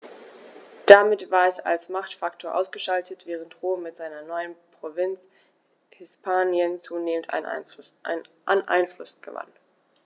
Damit war es als Machtfaktor ausgeschaltet, während Rom mit seiner neuen Provinz Hispanien zunehmend an Einfluss gewann.